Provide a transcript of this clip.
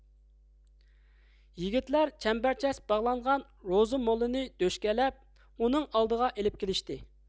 يىگىتلەر چەمبەرچاس باغلانغان روزى موللىنى دۆشكەلەپ ئۇنىڭ ئالدىغا ئېلىپ كېلىشتى